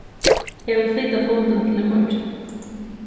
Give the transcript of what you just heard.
eg vil flyta fundin til í morgin